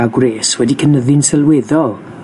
â gwres wedi cynyddu'n sylweddol